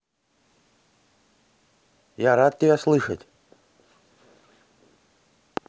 я рад тебя слышать